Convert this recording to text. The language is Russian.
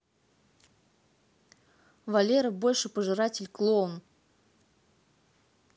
валера больше пожиратель клоун